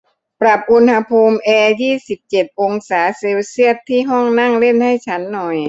ปรับอุณหภูมิแอร์ยี่สิบเจ็ดองศาเซลเซียสที่ห้องนั่งเล่นให้ฉันหน่อย